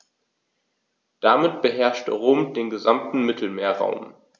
Damit beherrschte Rom den gesamten Mittelmeerraum.